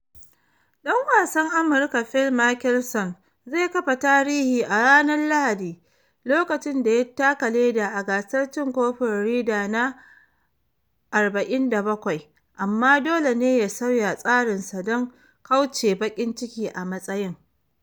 Dan wasan Amurka Phil Mickelson zai kafa tarihi a ranar Lahadi lokacin da ya taka leda a gasar cin kofin Ryder na 47, amma dole ne ya sauya tsarinsa don kauce baƙin ciki a matsayin.